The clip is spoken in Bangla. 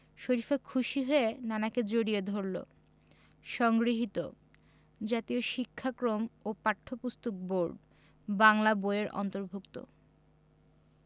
শরিফা খুশি হয়ে নানাকে জড়িয়ে ধরল সংগৃহীত জাতীয় শিক্ষাক্রম ও পাঠ্যপুস্তক বোর্ড বাংলা বই এর অন্তর্ভুক্ত